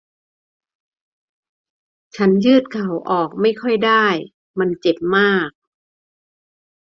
ฉันยืดเข่าออกไม่ค่อยได้มันเจ็บมาก